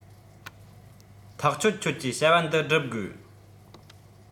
ཐག ཆོད ཁྱོད ཀྱིས བྱ བ འདི སྒྲུབ དགོས